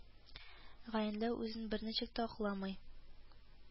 Гаенләү үзен берничек тә акламый